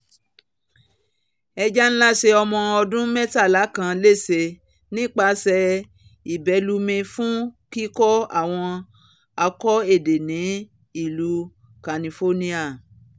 Ẹja ńlá ṣè ọmọ ọdún mẹ́tàla kan léṣe nípaṣẹ̀ ìbẹ̵̵́lumi fún kíkó àwọn ako edé ní ìlú Kalifóníà